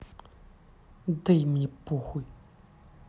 дай мне похуй